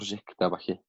prosiecta a ballu